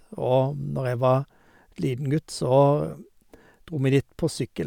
Og når jeg var liten gutt, så dro vi dit på sykkel.